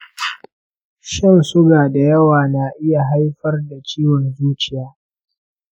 shan suga da yawa na iya haifar da ciwon zuciya?